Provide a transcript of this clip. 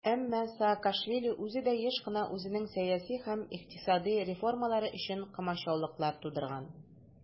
Әмма Саакашвили үзе дә еш кына үзенең сәяси һәм икътисади реформалары өчен комачаулыклар тудырган.